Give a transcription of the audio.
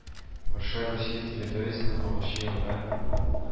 Ворша Русия территориясеннән агучы елга